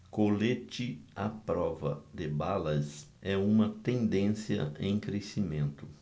colete à prova de balas é uma tendência em crescimento